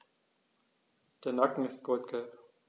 Der Nacken ist goldgelb.